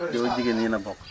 yow ak jigéen ñi yéen a bokk